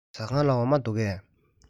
ཟ ཁང ལ འོ མ འདུག གས